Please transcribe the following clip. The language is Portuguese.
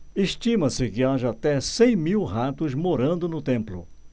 estima-se que haja até cem mil ratos morando no templo